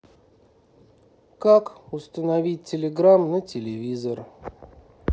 как установить телеграм на телевизор